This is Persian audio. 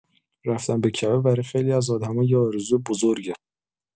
رفتن به کعبه برای خیلی از آدم‌ها یه آرزوی بزرگه.